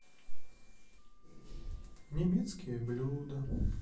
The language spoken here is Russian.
немецкие блюда